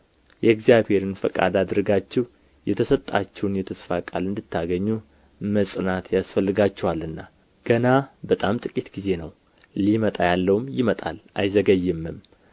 የእግዚአብሔርን ፈቃድ አድርጋችሁ የተሰጣችሁን የተስፋ ቃል እንድታገኙ መጽናት ያስፈልጋችኋልና ገና በጣም ጥቂት ጊዜ ነው ሊመጣ ያለውም ይመጣል አይዘገይምም